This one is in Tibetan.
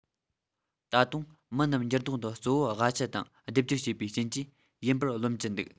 ད དུང མི རྣམས འགྱུར ལྡོག འདི གཙོ བོ ཝ ཁྱི དང སྡེབ སྦྱོར བྱས པའི རྐྱེན གྱིས ཡིན པར རློམ གྱི འདུག